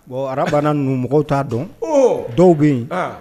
Bon arabanan ninnu mɔgɔw t'a dɔn dɔw bɛ yen